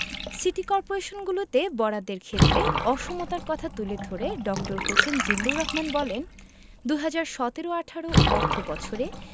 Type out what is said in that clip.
City করপোরেশনগুলোতে বরাদ্দের ক্ষেত্রে অসমতার কথা তুলে ধরে ড. হোসেন জিল্লুর রহমান বলেন ২০১৭ ১৮ অর্থবছরে